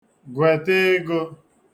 gwèta ego